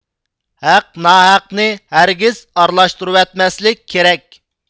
ھەق ناھاقنى ھەرگىز ئارىلاشتۇرۇۋەتمەسلىك كېرەك